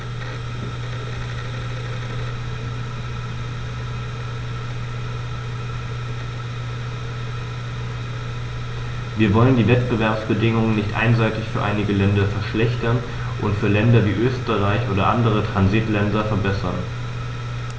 Wir wollen die Wettbewerbsbedingungen nicht einseitig für einige Länder verschlechtern und für Länder wie Österreich oder andere Transitländer verbessern.